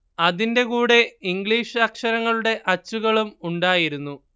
അതിന്റെ കൂടെ ഇംഗ്ലീഷ് അക്ഷരങ്ങളുടെ അച്ചുകളും ഉണ്ടായിരുന്നു